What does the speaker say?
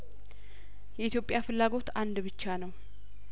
የኢትዮጵያ ፍላጐት አንድ ብቻ ነው